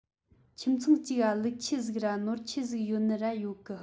ཁྱིམ ཚང གཅིག ག ལུག ཁྱུ ཟིག ར ནོར བཅུ ཁ ཟིག ཡོད ནོ ར ཡོད གི